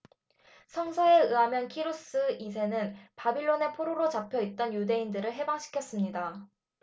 성서에 의하면 키루스 이 세는 바빌론에 포로로 잡혀 있던 유대인들을 해방시켰습니다